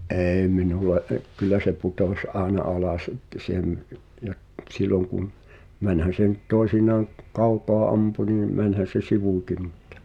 ei minulle - kyllä se putosi aina alas että se ei - ja silloin kun mennään se nyt toisinaan kun kaukaa ampui niin menihän se sivuunkin mutta